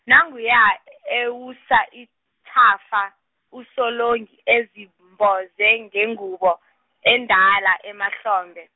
nanguya ewusa ithafa, uSolongi ezimboze ngengubo, endala emahlombe.